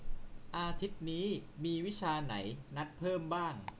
อาทิตย์นี้มีวิชาไหนนัดเพิ่มบ้าง